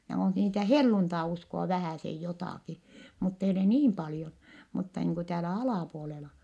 no on niitä helluntaiuskoa vähäsen jotakin mutta ei ole niin paljon mutta niin kuin täällä alapuolella